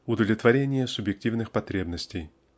удовлетворение субъективных потребностей